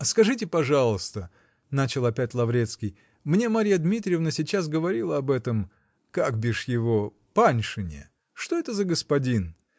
-- Скажите, пожалуйста, -- начал опять Лаврецкий, -- мне Марья Дмитриевна сейчас говорила об этом. как, бишь, его?. Паншине. Что это за господин?